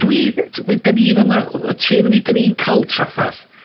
Dwi dy- we- 'dyn ni fama yy y tri onyn ni 'dyn ni'n ca'l traffarth.